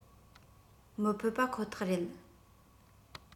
མི ཕོད པ ཁོ ཐག རེད